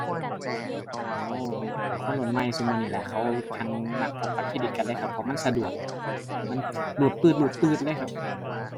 อ๋อ ถ้าคนรุ่นใหม่ซุมื้อล่ะเขาแฮ่งมักพกบัตรเครดิตกันเลยครับ เพราะมันสะดวก มันรูดปื๊ดรูดปื๊ดเลยครับ